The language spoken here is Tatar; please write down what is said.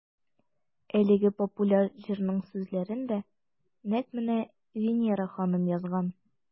Әлеге популяр җырның сүзләрен дә нәкъ менә Винера ханым язган.